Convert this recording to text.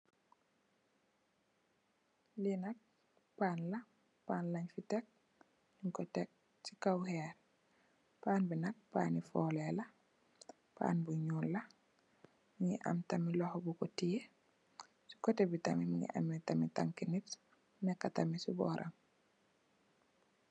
Li nak pan la, pan lééñ fi tek ñing ko tèk ci kaw héér. Pan bi nak pani foleh la, pan bu ñuul mugii am tamit loxo bu ko teyeh, ci koteh bi tamit mugii tanki nit nekka ci bóram.